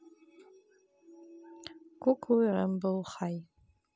куклы рэмбл хай